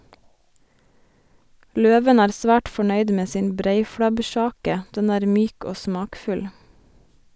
Løven er svært fornøyd med sin breiflabbkjake, den er myk og smakfull.